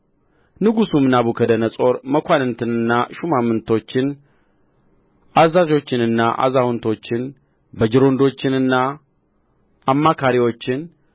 ንጉሡም ናቡከደነፆር መኳንንትንና ሹማምቶችን አዛዦችንና አዛውንቶችን በጅሮንዶችንና አማካሪዎችን